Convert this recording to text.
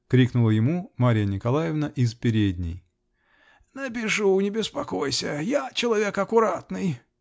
-- крякнула ему Марья Николаевна из передней. -- Напишу, не беспокойся. Я человек аккуратный.